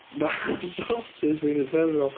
Ma' sources fi'n uffernol.